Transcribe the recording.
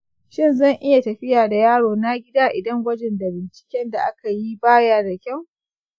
shin zan iya tafiya da yarona gida idan gwajin da binciken da akayi ba ya da kyau?